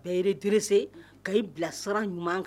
Bɛɛyi duuruse ka ii bilasa ɲuman kan